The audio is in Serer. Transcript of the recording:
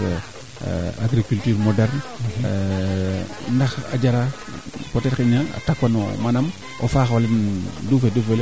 o mata nga o maak sax ka leyange a qooq ina lene fop barke a teen na machine kene mbaralun machine ke mbara langiran a njega teen part de responsablité